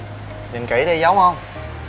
nhìn kĩ đi giống không